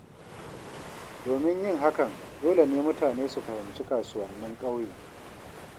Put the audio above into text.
Domin yin hakan, dole ne mutane su fahimci kasuwannin ƙauye.